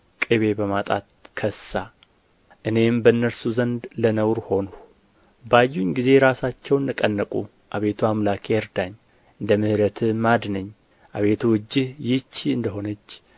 ቅቤ በማጣት ከሳ እኔም በእነርሱ ዘንድ ለነውር ሆንሁ ባዩኝ ጊዜ ራሳቸውን ነቀነቁ አቤቱ አምላኬ እርዳኝ እንደ ምሕረትህም አድነኝ አቤቱ እጅህ ይህች እንደ ሆነች